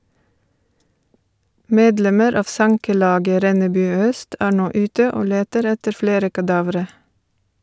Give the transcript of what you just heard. Medlemmer av sankelaget Rennebu Øst er nå ute og leter etter flere kadavre.